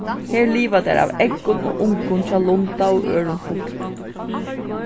her liva tær av eggum og ungum hjá lunda og øðrum fugli